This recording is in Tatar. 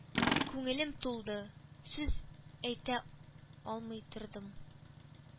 Күңелем тулды, сүз әйтә алмый тордым.